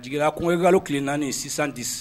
Jiginra kungokalo tile naani sisandi